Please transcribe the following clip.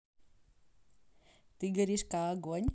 ты горишь ка огонь